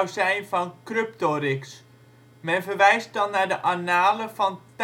zijn van Cruptorix. Men verwijst dan naar de Annalen van